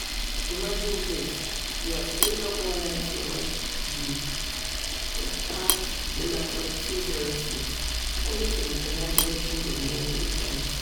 Imagine this, you have stayed up all night to watch the a packed Bellator 206 only to be denied watching the main event.